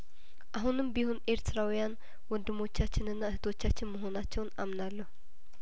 አሁንም ቢሆን ኤርትራውያን ወንድሞቻችንና እህቶቻችን መሆናቸውን አምናለሁ